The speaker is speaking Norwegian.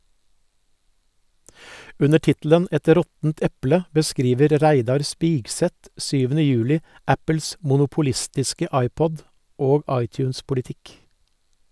Under tittelen "Et råttent eple" beskriver Reidar Spigseth 7. juli Apples monopolistiske iPod- og iTunes-politikk.